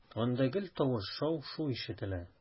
Анда гел тавыш, шау-шу ишетелә.